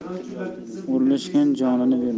o'rlashgan jonini bermas